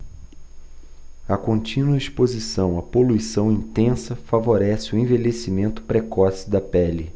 a contínua exposição à poluição intensa favorece o envelhecimento precoce da pele